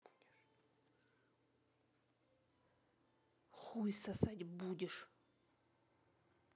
хуй сосать будешь